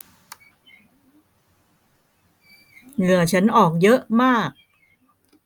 เหงื่อฉันออกเยอะมาก